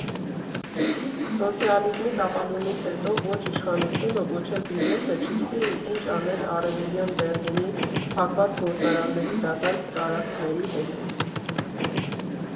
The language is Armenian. Սոցիալիզմի տապալումից հետո ո՛չ իշխանությունը, ո՛չ էլ բիզնեսը չգիտեին ինչ անել Արևելյան Բեռլինի փակված գործարանների դատարկ տարածքների հետ։